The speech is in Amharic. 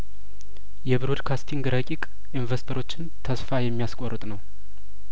የብሮድካስቲንግ ረቂቅ ኢንቨስተሮችን ተስፋ የሚያስቆርጥ ነው